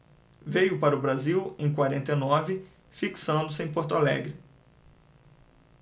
veio para o brasil em quarenta e nove fixando-se em porto alegre